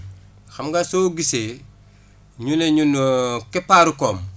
xam nga soo gisee ñu ne ñun keppaaru koom